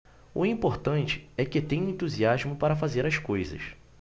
o importante é que tenho entusiasmo para fazer as coisas